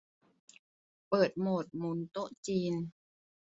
เปิดโหมดหมุนโต๊ะจีน